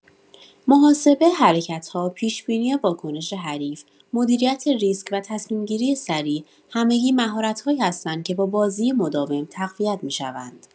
محاسبه حرکت‌ها، پیش‌بینی واکنش حریف، مدیریت ریسک و تصمیم‌گیری سریع، همگی مهارت‌هایی هستند که با بازی مداوم تقویت می‌شوند.